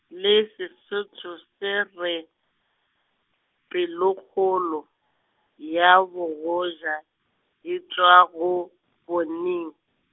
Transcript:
le Sesotho se re, pelokgolo, ya bogoja, e tšwa go, boning.